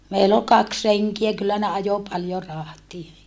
meillä oli kaksi renkiä kyllä ne ajoi paljon rahtia